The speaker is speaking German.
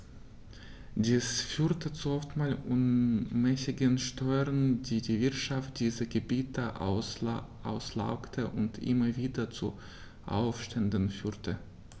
Dies führte zu oftmals unmäßigen Steuern, die die Wirtschaft dieser Gebiete auslaugte und immer wieder zu Aufständen führte.